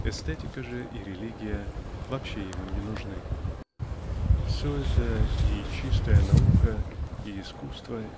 эстетика же и религия вообще ему не нужны. Все. это--и чистая наука и искусство